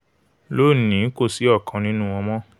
'Lóòní, kòsí ọkàn nínú wọn mọ́.''